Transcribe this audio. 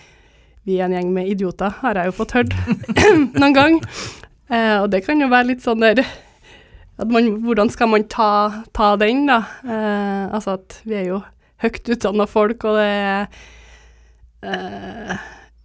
vi er en gjeng med idioter har jeg jo fått hørt noen ganger og det kan jo være litt sånn der at man hvordan skal man ta ta den da altså at vi er jo høgt utdanna folk og det er .